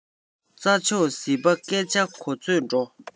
རྩ མཆོག ཟིལ པས སྐད ཆ གོ ཚོད འགྲོ